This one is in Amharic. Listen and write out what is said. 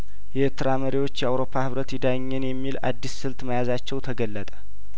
የኤትራ መሪዎች የአውሮፓ ህብረት ይዳኘን የሚል አዲስ ስልት መያዛቸው ተገለጠ